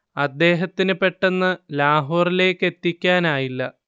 അദ്ദേഹത്തിന് പെട്ടെന്ന് ലാഹോറിലേക്കെത്തിക്കാനായില്ല